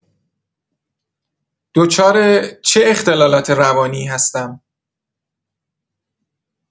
دچار چه اختلالات روانی‌ای هستم؟